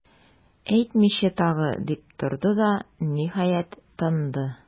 Әйтмичә тагы,- дип торды да, ниһаять, тынды.